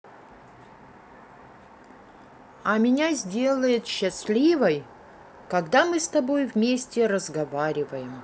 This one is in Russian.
а меня сделает счастливой когда мы с тобой вместе разговариваем